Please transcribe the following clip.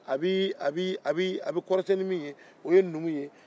a bɛ a bɛ a bɛ a bɛ kɔrɔta ni min ye o ye numu ye